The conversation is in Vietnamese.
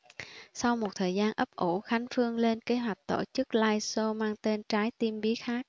sau một thời gian ấp ủ khánh phương lên kế hoạch tổ chức liveshow mang tên trái tim biết hát